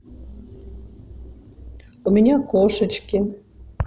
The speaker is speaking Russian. у меня кошечки